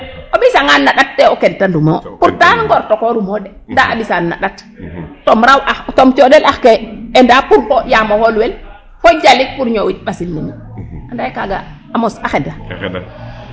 O ɓisangaan na ƭat te o kentandum o pourtant Ngoor tokoorum o de ndaa ɓisaan na ƭat tom raw ax tom cooɗel ax ke e ndaa pour yaam xoolwel fo jalik pour ñoowin ɓasil ne mi' anda yee kaaga a mosa ,xeda.